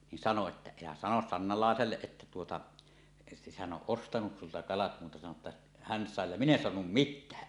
niin sanoi että älä sano Sannalaiselle että tuota hän on ostanut sinulta kalat muuta sano että hän sai ja minä en saanut mitään